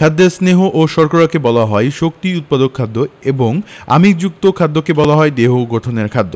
খাদ্যের স্নেহ এবং শর্করাকে বলা হয় শক্তি উৎপাদক খাদ্য এবং আমিষযুক্ত খাদ্যকে বলা হয় দেহ গঠনের খাদ্য